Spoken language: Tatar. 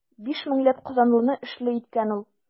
Биш меңләп казанлыны эшле иткән ул.